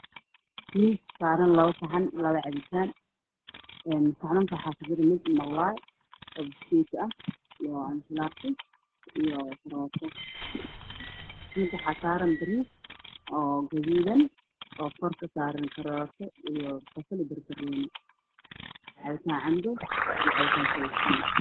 Waa miis saaran labo saxan labo cabitaan. Saxamanka waxaa kujiro mid malaay oo buskeeti ah iyo muufo midna waxaa saaran bariis oo gaduudan oo kor kasaaran karooto, basal iyo banbanooni. Cabitaan cambo iyo cabitaan seytuun.